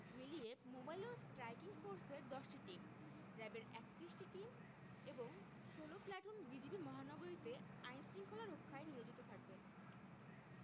মিলিয়ে মোবাইল ও স্ট্রাইকিং ফোর্সের ১০টি টিম র ্যাবের ৩১টি টিম এবং ১৬ প্লাটুন বিজিবি মহানগরীতে আইন শৃঙ্খলা রক্ষায় নিয়োজিত থাকবে